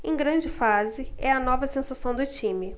em grande fase é a nova sensação do time